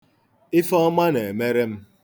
Ifeọma na-emere m.